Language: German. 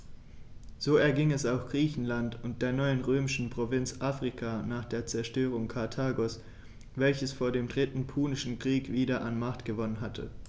So erging es auch Griechenland und der neuen römischen Provinz Afrika nach der Zerstörung Karthagos, welches vor dem Dritten Punischen Krieg wieder an Macht gewonnen hatte.